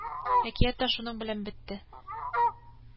Бер авыл бае була, ди.